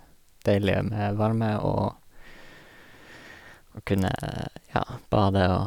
Deilig med varme og å kunne, ja, bade og...